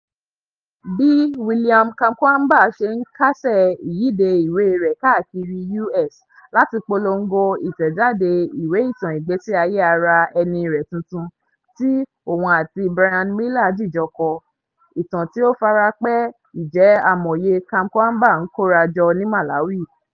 Bí William Kamkwamba ṣe ń kásẹ̀ ìyíde ìwé rẹ̀ káàkiri US láti polongo ìtẹ̀jáde ìwé ìtan ìgbésí ayè ara ẹni rẹ̀ tuntun tí oun àti Bryan Mealer jijọ kọ, ìtan tí ó fara pẹ́ ìjẹ́ amòye Kamkwamba ń kóra jọ ní Malawi.